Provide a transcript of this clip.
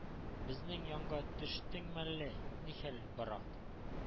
Безнең янга төштең мәллә? Нихәл, бырат?